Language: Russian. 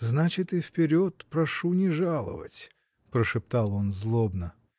Значит, и вперед прошу не жаловать! — прошептал он злобно.